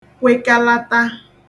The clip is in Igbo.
kwekalata